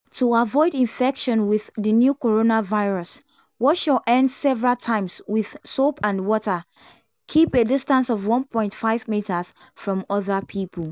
To avoid infection with the new coronavirus wash your hands several times with soap and water, keep a distance of 1.5 meters from other people.